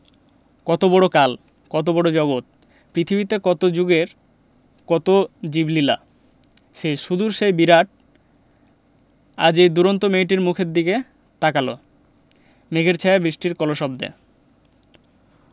কত বড় কাল কত বড় জগত পৃথিবীতে কত জুগের কত জীবলীলা সেই সুদূর সেই বিরাট আজ এই দুরন্ত মেয়েটির মুখের দিকে তাকাল মেঘের ছায়ায় বৃষ্টির কলশব্দে